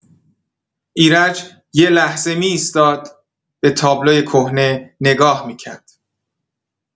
ایرج یه لحظه می‌ایستاد، به تابلوی کهنه نگاه می‌کرد.